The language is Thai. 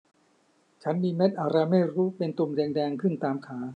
ฉันมีเม็ดอะไรไม่รู้เป็นตุ่มแดงแดงขึ้นตามขา